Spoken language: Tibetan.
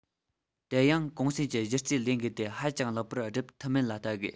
དེ ཡང གོང གསལ གྱི གཞི རྩའི ལས འགན དེ ཧ ཅང ལེགས པར འགྲུབ ཐུབ མིན ལ བལྟ དགོས